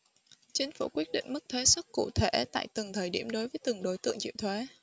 chính phủ quyết định mức thuế suất cụ thể tại từng thời điểm đối với từng đối tượng chịu thuế